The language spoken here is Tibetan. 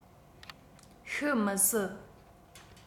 ཤི མི སྲིད